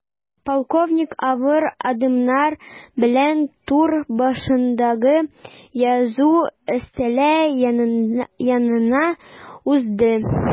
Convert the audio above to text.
Полковник авыр адымнар белән түр башындагы язу өстәле янына узды.